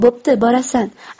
bo'pti borasan